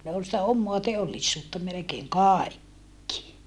ne oli sitä omaa teollisuutta melkein kaikki